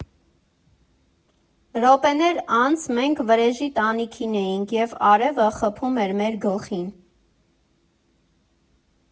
Րոպեներ անց մենք Վրեժի տանիքին էինք և արևը խփում էր մեր գլխին։